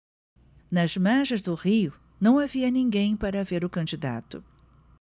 nas margens do rio não havia ninguém para ver o candidato